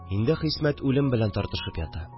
Инде Хисмәт үлем белән тартышып ята